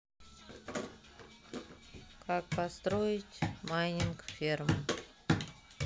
как построить майнинг ферму